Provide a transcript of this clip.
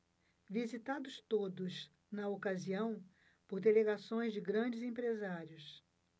visitados todos na ocasião por delegações de grandes empresários